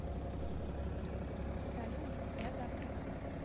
салют я завтракаю